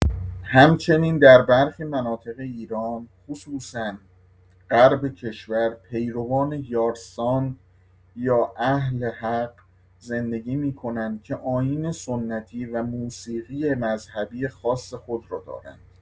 همچنین در برخی مناطق ایران، خصوصا غرب کشور، پیروان یارسان یا اهل‌حق زندگی می‌کنند که آیین سنتی و موسیقی مذهبی خاص خود را دارند.